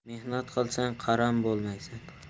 mehnat qilsang qaram bo'lmaysan